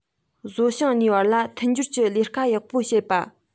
བཟོ ཞིང གཉིས བར ལ མཐུན སྦྱོར གྱི ལས ཀ ཡག པོ བྱེད པ